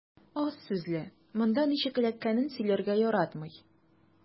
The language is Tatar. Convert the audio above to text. Аз сүзле, монда ничек эләккәнен сөйләргә яратмый.